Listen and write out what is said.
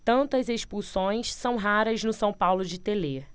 tantas expulsões são raras no são paulo de telê